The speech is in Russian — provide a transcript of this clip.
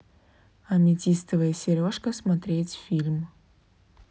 аметистовая сережка смотреть фильм